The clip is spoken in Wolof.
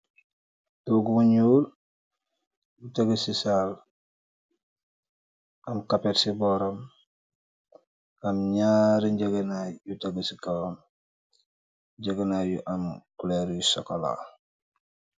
Tohu bu nuul bu tegu si saal aam capet c boram aam naar ree ngengenay yu tegu si kaawam ngengenay yu aam colour yu cocolaa.